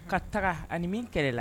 Ka taga ani min kɛlɛ la